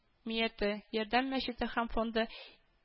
Мияте, “ярдәм” мәчете һәм фонды